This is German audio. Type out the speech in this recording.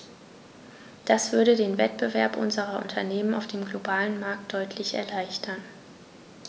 Das würde den Wettbewerb unserer Unternehmen auf dem globalen Markt deutlich erleichtern.